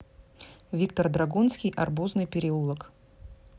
виктор драгунский арбузный переулок